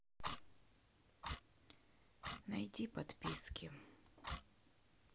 найди подписки